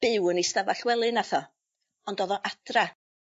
byw yn ei stafall wely nath o. Ond o'dd o adra.